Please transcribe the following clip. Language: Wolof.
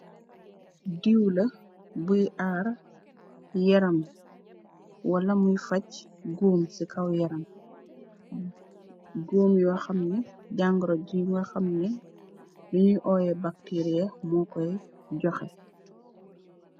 Diw la buye arr yaram, wala moye fach gomm si kaw yaram, gomm yo hamni jangoro ji, nga hamneh bunyoi oyeh bacteria mokoye johe.